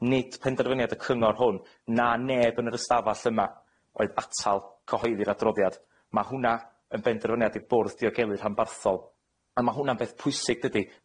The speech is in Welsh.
nid penderfyniad y Cyngor hwn na neb yn yr ystafell yma oedd atal cyhoeddi'r adroddiad, ma' hwnna yn benderfyniad i'r Bwrdd Diogelu Rhanbarthol a ma' hwnna'n beth pwysig dydi?